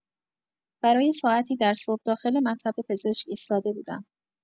برای ساعتی در صبح داخل مطب پزشک ایستاده بودم.